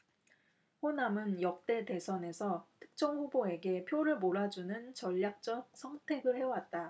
호남은 역대 대선에서 특정 후보에게 표를 몰아주는 전략적 선택을 해왔다